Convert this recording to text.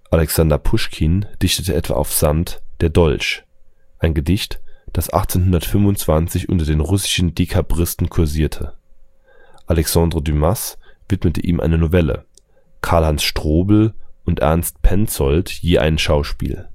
Alexander Puschkin dichtete etwa auf Sand Der Dolch, ein Gedicht, das 1825 unter den russischen Dekabristen kursierte. Alexandre Dumas widmete ihm eine Novelle, Karl Hans Strobl und Ernst Penzoldt je ein Schauspiel